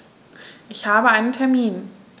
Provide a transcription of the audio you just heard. Ich habe einen Termin.